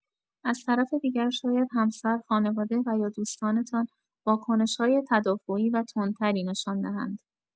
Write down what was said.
از طرف دیگر، شاید همسر، خانواده و یا دوستانتان واکنش‌های تدافعی و تندتری نشان دهند.